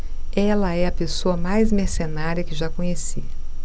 ela é a pessoa mais mercenária que já conheci